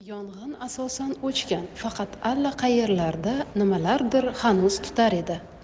yong'in asosan o'chgan faqat allaqaerlarda nimalardir hanuz tutar edi